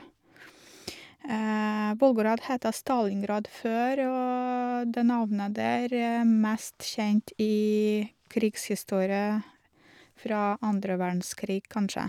Volgograd het Stalingrad før, og det navnet der er mest kjent i krigshistorie fra andre verdenskrig, kanskje.